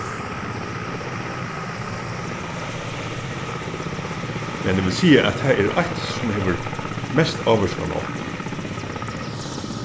men eg vil siga at tað er eitt sum hevur mest ávirkan á okkum